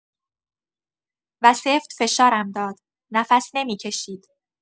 و سفت فشارم داد، نفس نمی‌کشید.